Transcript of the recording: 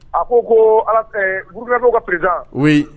A ko koo alas ɛɛ Bourkinabé u ka président oui